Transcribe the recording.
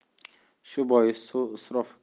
shu bois suv isrofiga